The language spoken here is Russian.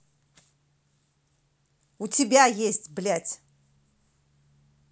у тебя есть блядь